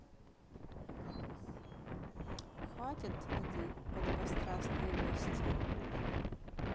хватит этой подобострастной лести